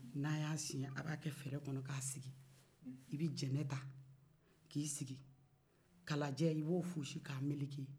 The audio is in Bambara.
n'a ya siyen a b'a kɛ fɛrɛ kɔnɔ ka sigi i bɛ jɛnɛ ta k'i sigi kalajɛ i b'o fosi ka meleke